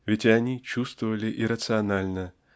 ведь и они чувствовали иррационально